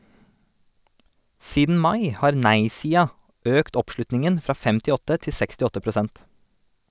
Siden mai har nei-sida økt oppslutningen fra 58 til 68 prosent.